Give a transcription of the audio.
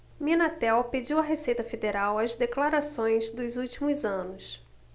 minatel pediu à receita federal as declarações dos últimos anos